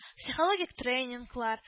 Психологик тренинглар